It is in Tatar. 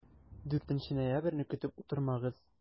4 ноябрьне көтеп утырмагыз!